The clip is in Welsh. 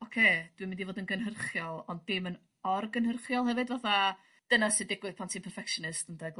ocê dwi'n mynd i fod yn gynhyrchiol ond dim yn orgynhyrchiol hefyd fatha dyna sy digwydd pan ti'n perfectionist ynde